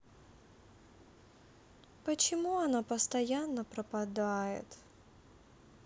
почему она постоянно пропадает